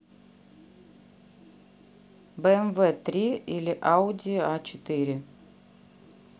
bmw три или audi a четыре